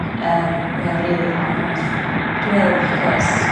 yym mae o rili anodd.